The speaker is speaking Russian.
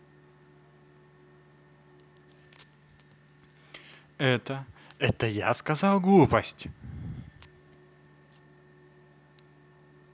это это я сказала глупость